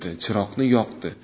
chiroqni yoqdi